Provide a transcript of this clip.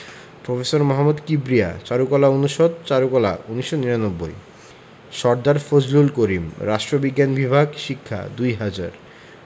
professor Mohammad Kibria চারুকলা অনুষদ চারুকলা ১৯৯৯ সরদার ফজলুল করিম রাষ্ট্রবিজ্ঞান বিভাগ শিক্ষা ২০০০